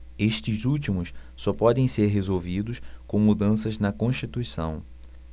estes últimos só podem ser resolvidos com mudanças na constituição